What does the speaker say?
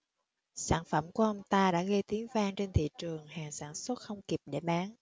sản phẩm của ông ta đã gây tiếng vang trên thị trường hàng sản xuất không kịp để bán